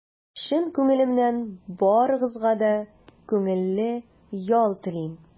Чын күңелемнән барыгызга да күңелле ял телим!